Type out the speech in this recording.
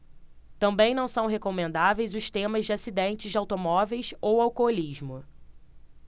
também não são recomendáveis os temas de acidentes de automóveis ou alcoolismo